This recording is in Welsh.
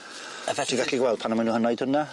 A fe-... Ti'n gallu gweld pan ma' nw yn neud hwnna.